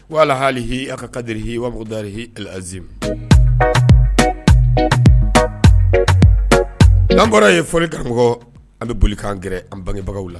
Wala halihi a ka kadri h wa dari zi an bɔra ye fɔlikan kɔ an bɛ bolikan gɛrɛ an bangebagaw la